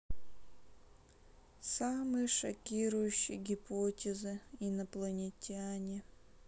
самые шокирующие гипотезы инопланетяне